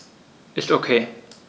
Ist OK.